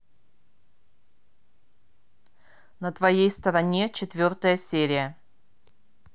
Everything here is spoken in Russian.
на твоей стороне четвертая серия